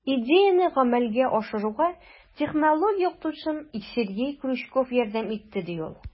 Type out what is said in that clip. Идеяне гамәлгә ашыруга технология укытучым Сергей Крючков ярдәм итте, - ди ул.